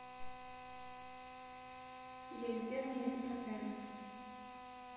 я сделана из протезов